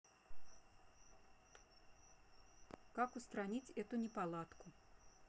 как устранить эту неполадку